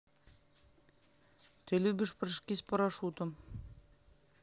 ты любишь прыжки с парашютом